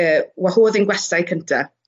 yy wahodd ein gwestai cynta.